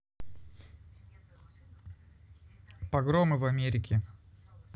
погромы в америке